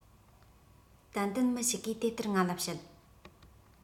ཏན ཏན མི ཞིག གིས དེ ལྟར ང ལ བཤད